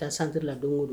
Taa santi la don don